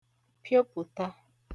piopụ̀ta